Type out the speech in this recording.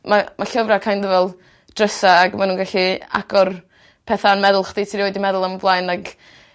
Ma' ma' llyfre kind of fel drysa ag ma' nw'n gallu agor petha yn meddwl chdi ti rioed 'di meddwl am o blaen ag